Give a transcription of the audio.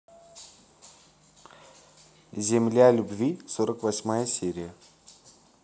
земля любви сорок восьмая серия